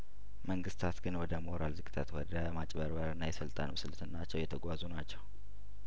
መንግስታት ግን ወደ ሞራል ዝቅጠት ወደ ማጭበርበርና የስልጣን ውስልትናቸው እየተጓዙ ናቸው